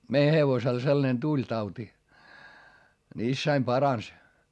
meidän hevosella sellainen tuli tauti niin isäni paransi